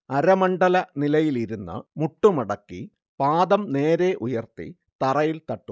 അരമണ്ഡല നിലയിലിരുന്ന് മുട്ട് മടക്കി പാദം നേരെ ഉയർത്തി തറയിൽ തട്ടുന്നു